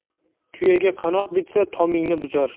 tuyaga qanot bitsa tomingni buzar